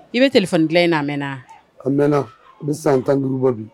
I bɛ téléphone gilan in na mɛn na a mɛn a bɛ san 15 bɔ bi.